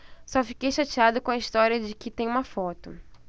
só fiquei chateada com a história de que tem uma foto